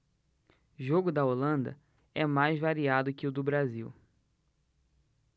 jogo da holanda é mais variado que o do brasil